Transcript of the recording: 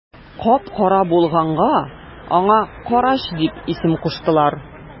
Кап-кара булганга аңа карач дип исем куштылар.